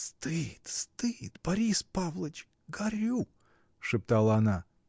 — Стыд, стыд, Борис Павлыч: горю! — шептала она.